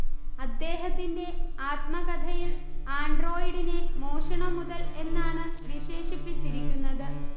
അദ്ദേഹത്തിന്റെ ആത്മകഥയിൽ ആൻഡ്രോയിഡിനെ മോഷണ മുതൽ എന്നാണ് വിശേഷിപ്പിച്ചിരിക്കുന്നത്